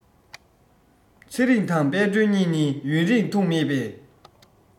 ཚེ རིང དང དཔལ སྒྲོན གཉིས ནི ཡུན རིང ཐུགས མེད པས